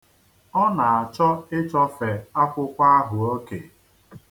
Ọ na-achọ ịchọfe akwụkwọ ahụ oke.